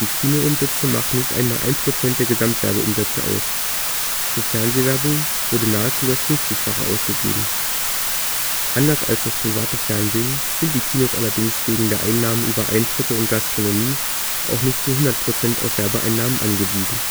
Kino-Umsätze machen nicht einmal 1 % der Gesamtwerbeumsätze aus; für Fernsehwerbung wurde nahezu das 50-fache ausgegeben. Anders als das private Fernsehen sind die Kinos allerdings wegen der Einnahmen über Eintritte und Gastronomie auch nicht zu 100 % auf Werbeeinnahmen angewiesen